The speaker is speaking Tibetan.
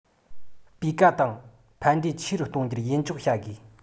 སྤུས ཀ དང ཕན འབྲས ཆེ རུ གཏོང རྒྱུར ཡིད འཇོག བྱ དགོས